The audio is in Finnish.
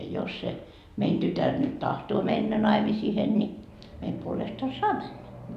jos se meidän tytär nyt tahtoo mennä naimisiin niin meidän puolesta saa mennä